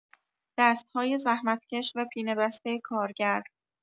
دست‌های زحمت‌کش و پینه‌بسته کارگر